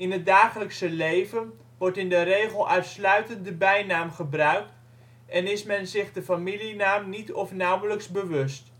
het dagelijkse leven wordt in de regel uitsluitend de bijnaam gebruikt en is men zich de familienaam niet of nauwelijks bewust